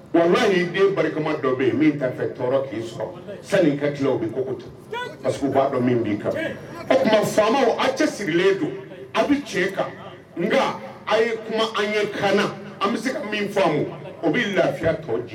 Wa n' den barika dɔ bɛ yen min t' fɛ tɔɔrɔ k'i sɔrɔ san ka ki bɛ ko ko pa u b'a dɔn kan o tuma faama o a cɛ sigilenlen don a bɛ tiɲɛ kan nka a ye kuma an ɲɛ kaana an bɛ se ka min fɔ o bɛ lafiya tɔ jɛ